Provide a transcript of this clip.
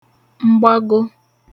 mgbago